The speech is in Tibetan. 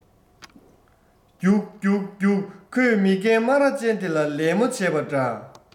རྒྱུགས རྒྱུགས རྒྱུགས ཁོས མི རྒན སྨ ར ཅན དེ ལ ལད མོ བྱས པ འདྲ